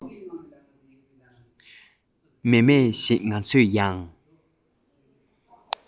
མཱེ མཱེ ཞེས ང ཚོ ཡང